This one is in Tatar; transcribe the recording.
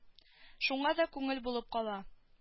Шуңа да күңел булып кала